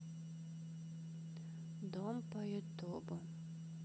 дом по ютубу